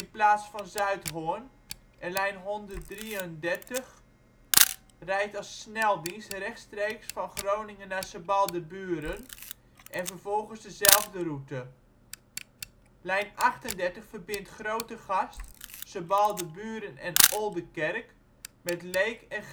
plaats van Zuidhorn, en lijn 133 rijdt als sneldienst rechtstreeks van Groningen naar Sebaldeburen en vervolgens dezelfde route. Lijn 38 verbindt Grootegast, Sebaldeburen en Oldekerk met Leek en